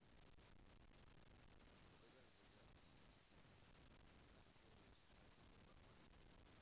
угадай загадки если ты это угадаешь я тебя похвалю